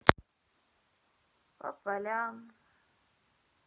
по полям